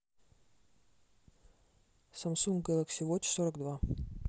самсунг гэлэкси воч сорок два